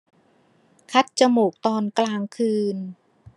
คัดจมูกตอนกลางคืน